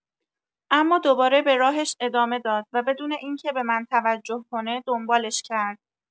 اما دوباره به راهش ادامه داد و بدون اینکه به من توجه کنه دنبالش کرد.